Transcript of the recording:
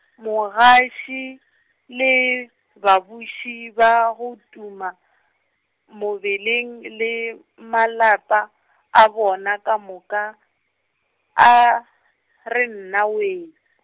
mogaši, le, babuši ba go, tuma mebeleng le malapa a bona ka moka, a, re nnawee.